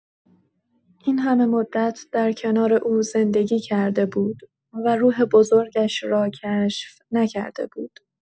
این‌همه مدت در کنار او زندگی کرده بود و روح بزرگش را کشف نکرده بود.